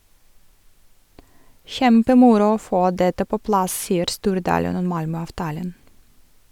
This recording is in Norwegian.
- Kjempemoro å få dette på plass, sier Stordalen om Malmö-avtalen.